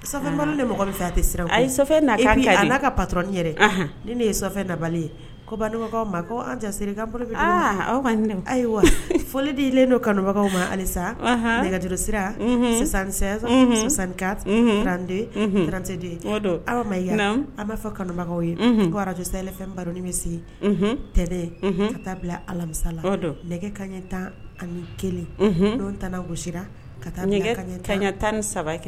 Sanmo de mɔgɔ bɛ fɛ a tɛ sira ye ale ka parin yɛrɛ ni de ye dabali ye ko bakaw ma ko anse ka ayiwa foli delen don kanubagaw ma halisa nɛgɛjuru sira sansan sankaranteranteden aw ma yɛlɛ an b'a fɔ kanubagaw ye ko araj baroin bɛ se tɛ ka taa bila alamisala kaɲɛ tan ani kelen tangosira ka taa tan tan ni saba kɛ